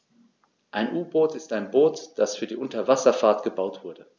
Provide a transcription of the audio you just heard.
Ein U-Boot ist ein Boot, das für die Unterwasserfahrt gebaut wurde.